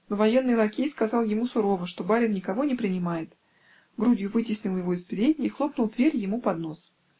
но военный лакей сказал ему сурово, что барин никого не принимает, грудью вытеснил его из передней и хлопнул двери ему под нос.